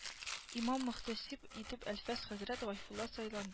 Имам-мөхтәсиб итеп әлфәс хәзрәт гайфулла сайлан